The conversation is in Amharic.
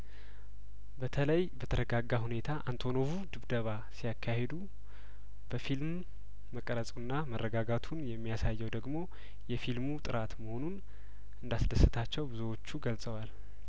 በተለይ በተረጋጋ ሁኔታ አንቶኖቩ ድብደባ ሲያካሂዱ በፊልም መቀረጹና መረጋጋቱን የሚያሳየው ደግሞ የፊልሙ ጥራት መሆኑን እንዳስ ደሰታቸው ብዙዎቹ ገልጸዋል